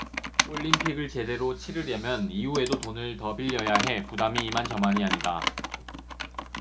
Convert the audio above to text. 올림픽을 제대로 치르려면 이후에도 돈을 더 빌려야 해 부담이 이만저만이 아니다